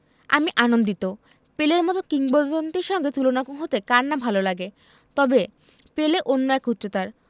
আমি আনন্দিত পেলের মতো কিংবদন্তির সঙ্গে তুলনা হতে কার না ভালো লাগে তবে পেলে অন্য এক উচ্চতার